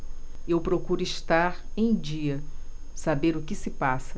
eu procuro estar em dia saber o que se passa